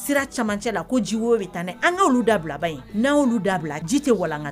Sira camancɛ la ko jiwo bɛ tan anolu dabilaba in n'an da ji tɛ walan